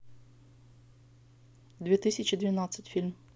две тысячи двенадцать фильм